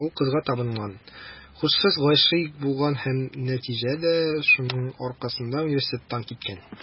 Ул кызга табынган, һушсыз гашыйк булган һәм, нәтиҗәдә, шуның аркасында университеттан киткән.